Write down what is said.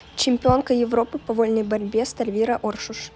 чемпионка европы по вольной борьбе стальвира оршуш